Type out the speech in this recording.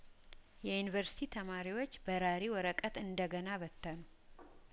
የዩኒቨርስቲ ተማሪዎች በራሪ ወረቀት እንደገና በተኑ